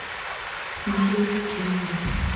смотреть кенда